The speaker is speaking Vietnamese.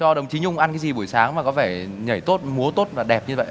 cho đồng chí nhung ăn cái gì buổi sáng và có vẻ nhảy tốt múa tốt và đẹp như vậy